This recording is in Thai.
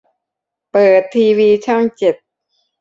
เปิดทีวีช่องเจ็ด